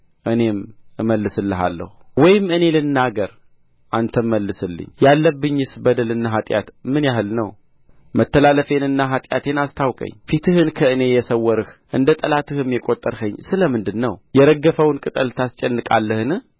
እኔም እመልስልሃለሁ ወይም እኔ ልናገር አንተም መልስልኝ ያለብኝስ በደልና ኃጢአት ምን ያህል ነው መተላለፌንና ኃጢአቴን አስታውቀኝ ፊትህን ከእኔ የሰወርህ እንደ ጠላትህም የቈጠርኸኝ ስለ ምን ነው የረገፈውን ቅጠል ታስጨንቃለህን